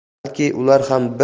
balki ular ham bir